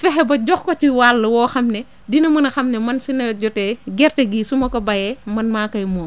fexe ba jox ko ci wàll woo xam ne dina mën a xam ne man su nawet jotee gerte gii suma ko bayee man maa koy moom